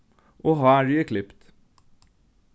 og hárið er klipt